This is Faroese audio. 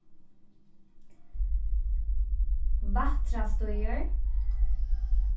vættrastígur